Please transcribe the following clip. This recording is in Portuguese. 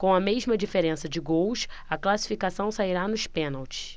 com a mesma diferença de gols a classificação sairá nos pênaltis